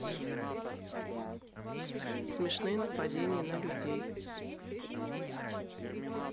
смешные нападения на людей